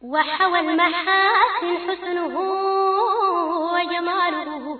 Wadugu wakumadugu